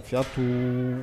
Y kun